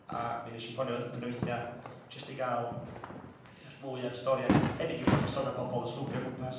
a mi wnes i ffonio fo dipyn o weithiau, jyst i gael deall mwy ar y stori ac hefyd i wybod os oedd 'na pobl yn snwpio o gwmpas,